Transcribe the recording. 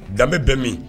Danbebe bɛ min